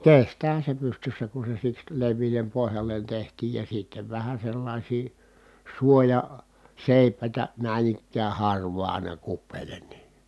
kestäähän se pystyssä kun se siksi leveälle pohjalle tehtiin ja sitten vähän sellaisia - suojaseipäitä näin ikään harvaan aina kupeelle niin